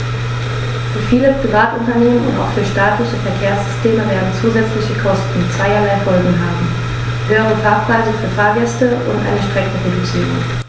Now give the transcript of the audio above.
Für viele Privatunternehmen und auch für staatliche Verkehrssysteme werden zusätzliche Kosten zweierlei Folgen haben: höhere Fahrpreise für Fahrgäste und eine Streckenreduzierung.